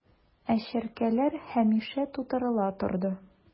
Ә чәркәләр һәмишә тутырыла торды...